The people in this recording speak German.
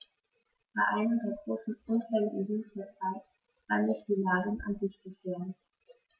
Bei einem der großen Unfälle in jüngster Zeit war nicht die Ladung an sich gefährlich.